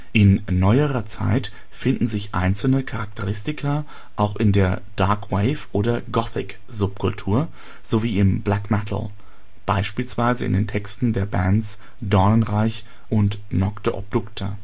In neuerer Zeit finden sich einzelne Charakteristika auch in der Dark Wave - oder Gothic-Subkultur, sowie im Black Metal (beispielsweise in den Texten der Bands Dornenreich und Nocte Obducta